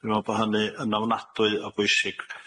Dwi me'wl bo' hynny yn ofnadwy o bwysig.